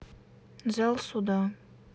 зал суда